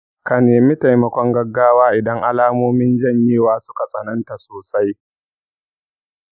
ka nemi taimakon gaggawa idan alamomin janyewa suka tsananta sosai.